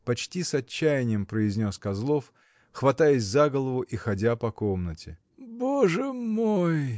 — почти с отчаянием произнес Козлов, хватаясь за голову и ходя по комнате. — Боже мой!